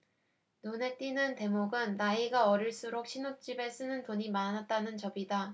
눈에 띄는 대목은 나이가 어릴수록 신혼집에 쓰는 돈이 많았다는 점이다